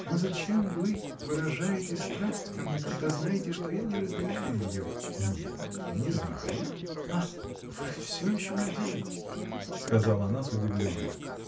Но зачем вы выражаете страсть ко мне, когда знаете, что я не разделяю ее? — Нет, не знаю. — Ах, вы всё еще надеетесь! — сказала она с удивлением.